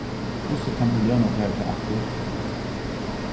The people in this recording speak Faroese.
hvussu kann eg løna tær tað aftur